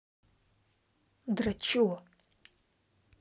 дрочу